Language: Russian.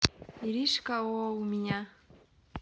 иришка оо у меня